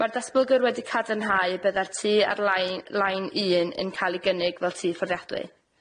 Ma'r datbylgwr wedi cadarnhau bydde'r tŷ ar lai- line un yn cal'i gynnig fel tŷ fforddiadwy.